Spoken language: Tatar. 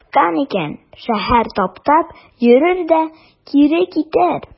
Кайткан икән, шәһәр таптап йөрер дә кире китәр.